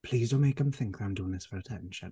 Please don't make them think that I'm doing this for attention.